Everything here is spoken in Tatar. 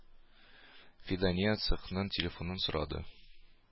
Фидания цехның телефонын сорады.